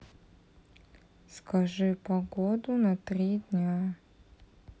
скажи погоду на три дня